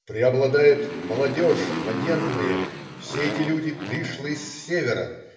Преобладает молодежь - военные. Все эти люди. - пришлые с севера.